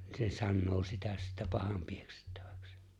ne sanoi sitä sitten pahanpieksettämiseksi